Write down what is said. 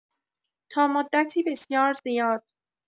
تا مدتی بسیار زیاد!